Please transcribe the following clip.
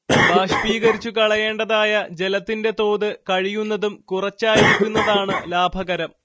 ബാഷ്പീകരിച്ചുകളയേണ്ടതായ ജലത്തിന്റെ തോത് കഴിയുന്നതും കുറച്ചായിരിക്കുന്നതാണ് ലാഭകരം